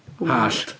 Hallt.